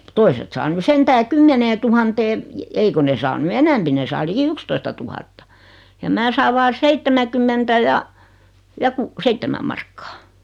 toiset saa nyt sentään kymmeneentuhanteen ei kun ne saa nyt enempi ne saa liki yksitoistatuhatta ja minä saan vain seitsemänkymmentä ja ja - seitsemän markkaa